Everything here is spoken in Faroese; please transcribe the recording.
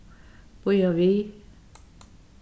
bíða við